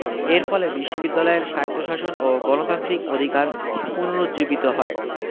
এর ফলে বিশ্ববিদ্যালয়ের স্বায়ত্তশাসন ও গণতান্ত্রিক অধিকার পুনরুজ্জীবিত হয়